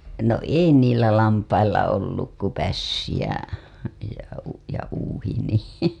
no ei niillä lampailla ollut kuin pässi ja ja - ja uuhi niin